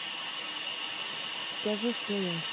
скажи что я